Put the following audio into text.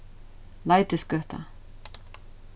leitisgøta